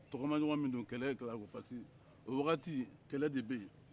tagamaɲɔgɔn min don kɛlɛ o wagati kɛlɛ de be yen